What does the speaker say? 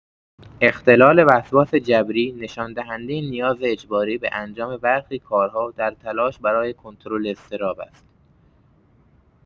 اختلال وسواس جبری نشان‌دهنده نیاز اجباری به انجام برخی کارها در تلاش برای کنترل اضطراب است.